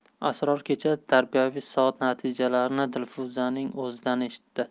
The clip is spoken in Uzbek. asror kecha tarbiyaviy soat natijalarini dilfuzaning o'zidan eshitdi